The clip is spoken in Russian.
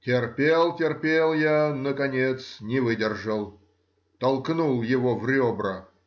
Терпел, терпел я, наконец не выдержал — толкнул его в ребра.